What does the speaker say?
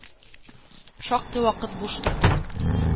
Шактый вакыт буш торды.